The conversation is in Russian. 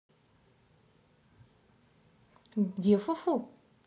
где фу фу